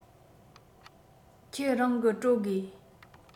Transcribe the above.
ཁྱེད རང གི སྤྲོད དགོས